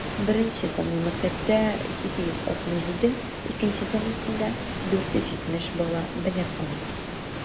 Беренче санлы мәктәптә - 767, икенче санлысында 470 бала белем ала.